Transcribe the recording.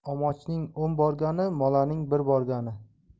omochning o'n borgani molaning bir borgani